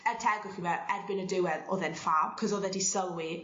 er tegwch i fe erbyn y diwedd o'dd e'n ffab 'c'os e 'di sylwi